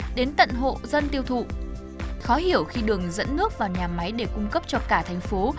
đến tận hộ dân tiêu thụ khó hiểu khi đường dẫn nước vào nhà máy để cung cấp cho cả thành phố